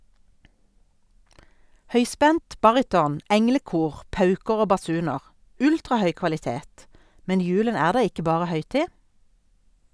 Høyspent, baryton, englekor, pauker og basuner, ultrahøy kvalitet, men julen er da ikke bare høytid?